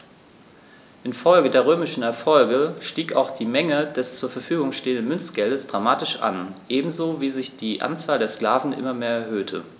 Infolge der römischen Erfolge stieg auch die Menge des zur Verfügung stehenden Münzgeldes dramatisch an, ebenso wie sich die Anzahl der Sklaven immer mehr erhöhte.